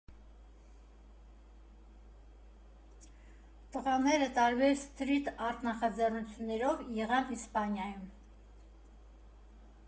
Տղաները տարբեր սթրիթ արթ նախաձեռնություններով եղան Իսպանիայում։